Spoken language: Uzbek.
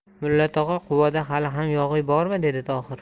mulla tog'a quvada hali ham yog'iy bormi dedi tohir